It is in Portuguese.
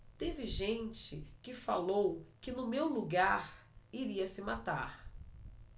teve gente que falou que no meu lugar iria se matar